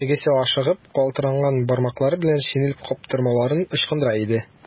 Тегесе ашыгып, калтыранган бармаклары белән шинель каптырмаларын ычкындыра иде.